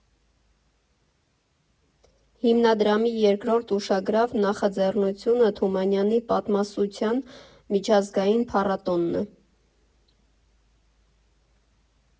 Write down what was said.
Հիմնադրամի երկրորդ ուշագրավ նախաձեռնությունը Թումանյանի պատմասության միջազգային փառատոնն է։